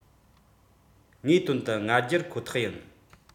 ངའི དོན དུ ང རྒྱལ ཁོ ཐག ཡིན